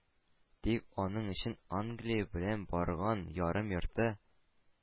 Тик аның өчен Англия белән барган ярым-йорты,